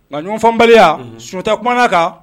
Nka ɲɔnfanbaliya sunjata tɛumana kan